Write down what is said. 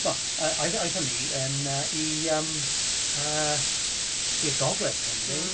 Wel ae- aethon ni yn yy i yy i'r Gogledd Cymru.